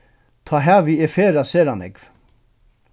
tá havi eg ferðast sera nógv